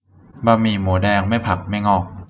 บะหมี่หมูแดงไม่ผักไม่งอก